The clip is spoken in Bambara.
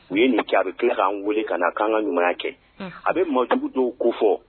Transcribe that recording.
U ye nin kɛ. A bi kan wele ka na kan ka ɲuman ya kɛ . A bɛ maa jugu dɔnw ko fɔ.